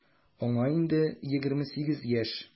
Аңа инде 28 яшь.